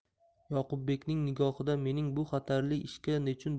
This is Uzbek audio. yoqubbekning nigohida mening bu xatarli ishga nechun